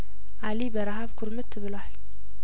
አሊ በረሀብ ኩርምት ብሏል